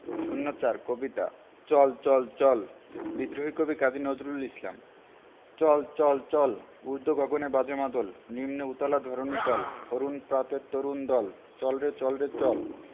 ০৪ কবিতা চল চল চল বিদ্রোহী কবি কাজী নজরুল ইসলাম চল চল চল ঊর্ধ্ব গগনে বাজে মাদল নিম্নে উতলা ধরণি তল অরুণ প্রাতের তরুণ দল চল রে চল রে চল